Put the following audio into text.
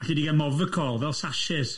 Alli di gael Movicol, fel sachets.